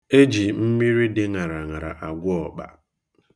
E ji mmiri dị ṅaraṅara agwọ ọkpa.